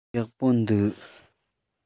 ཡག པོ འདུག